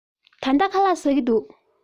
ད ལྟ ཁ ལག ཟ གི འདུག